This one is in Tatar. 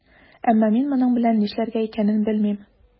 Әмма мин моның белән нишләргә икәнен белмим.